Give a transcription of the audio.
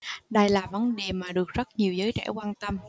đây là vấn đề mà được rất nhiều giới trẻ quan tâm